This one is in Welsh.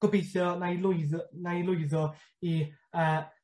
gobeithio wnâi lwydd- yy wnâi lwyddo i yy